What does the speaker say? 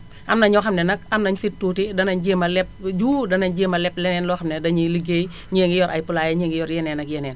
am na ñoo xam ne nag am nañu fit tuuti danañ jéem a leb jiwu danañ jéem a leb leneen loo xam ne dañuy ligéey ñii a ngi yor ay poulailler ñii a ngi yor yeneen ak yeneen